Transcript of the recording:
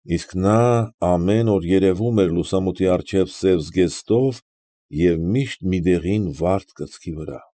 Իսկ նա ամեն օր երևում էր լուսամուտի առջև սև զգեստով և միշտ մի դեղին վարդ կրծքի վրա։